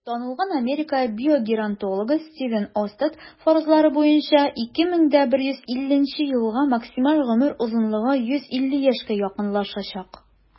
Танылган Америка биогеронтологы Стивен Остад фаразлары буенча, 2150 елга максималь гомер озынлыгы 150 яшькә якынлашачак.